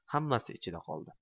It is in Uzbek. hammasi ichida qoldi